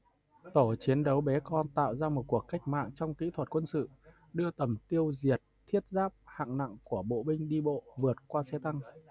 tổ chiến đấu bé con tạo ra một cuộc cách mạng trong kỹ thuật quân sự đưa tầm tiêu diệt thiết giáp hạng nặng của bộ binh đi bộ vượt qua xe tăng